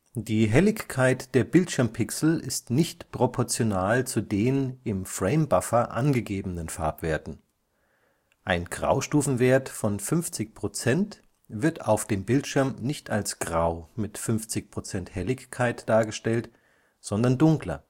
Die Helligkeit der Bildschirmpixel ist nicht proportional zu den im Framebuffer angegebenen Farbwerten. Ein Graustufenwert von 50 % wird auf dem Bildschirm nicht als Grau mit 50 % Helligkeit dargestellt, sondern dunkler